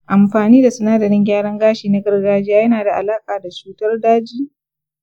amfani da sinadarin gyaran gashi na gargajiya yana da alaƙa da cutar daji?